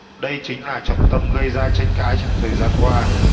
đây chính là trọng tâm gây ra tranh cãi trong thời gian qua